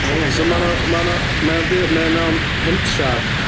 So ma' 'na, ma' 'na... mae o'n byw... mae o mewn pentre...